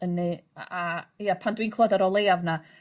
'ynny a a a ia pan dwi'n clŵad yr o leiaf 'na